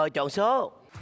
mời chọn số